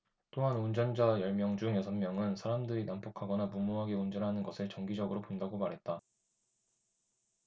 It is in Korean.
또한 운전자 열 명 중 여섯 명은 사람들이 난폭하거나 무모하게 운전하는 것을 정기적으로 본다고 말했다